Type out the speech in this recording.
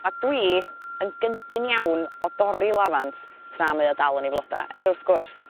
A dwi yn gyndyn iawn o dorri lafant tra mae o dal yn 'i floda er wrth gwrs